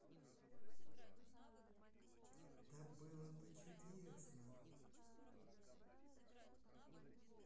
да было бы чудесно